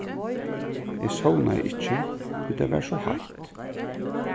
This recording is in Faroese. eg sovnaði ikki tí tað var so heitt